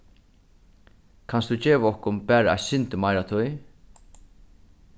kanst tú geva okkum bara eitt sindur meira tíð